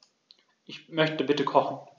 Ich möchte bitte kochen.